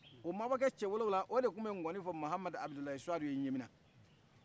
o mabɔkɛ wolofila o de tun bɛ ŋɔni fɔ muhamadu abudulaye suadu